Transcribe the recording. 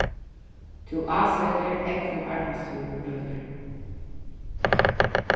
tú ásetir egnu arbeiðstíðir tínar